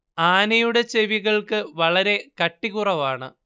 ആനയുടെ ചെവികൾക്ക് വളരെ കട്ടികുറവാണ്